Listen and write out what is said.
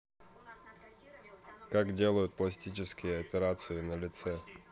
как делают пластические операции на лице